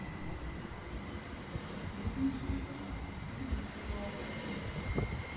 евгений миронов фильм называется